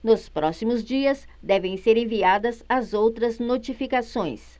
nos próximos dias devem ser enviadas as outras notificações